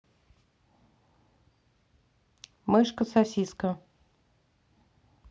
мышка сосиска